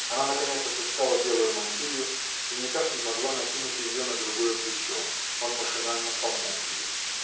Она наконец отыскала белую мантилью и никак не могла накинуть ее на другое плечо. Он машинально помог ей.